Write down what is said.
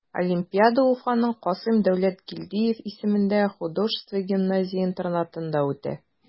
Олимпиада Уфаның Касыйм Дәүләткилдиев исемендәге художество гимназия-интернатында үтә.